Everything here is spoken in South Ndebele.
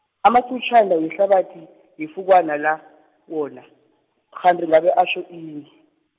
amaqutjana wehlabathi, yefukwana la, wona kghani ngabe atjho ini.